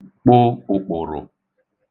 kpụ̄ ụ̀kpụ̀rụ̀